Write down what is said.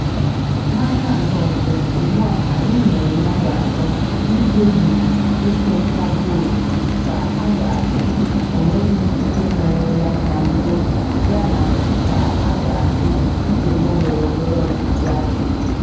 N'aka nke ọzọ, ugbua anyị nwere mmadụ atọ ndị kpebiri ịchụ nta vootu ka a ga-asị o nweghị ihe merela na mbụ, ya na ka a ga-asị nsogbu ndọrọndọrọ ọchịchị a adịghị.